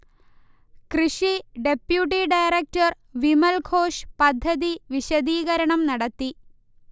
കൃഷി deputy director Vimalghosh പദ്ധതി വിശദീകരണം നടത്തി